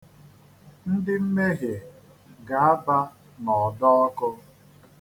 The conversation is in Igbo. Ndị mmehie ga-aba n'ọdọọkụ.